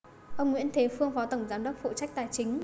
ông nguyễn thế phương phó tổng giám đốc phụ trách tài chính